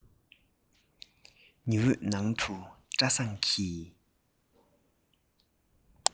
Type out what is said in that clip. ཉི འོད ནང དུ བཀྲ བཟང གིས